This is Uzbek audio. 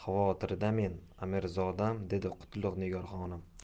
xavotirdamen amirzodam dedi qutlug' nigor xonim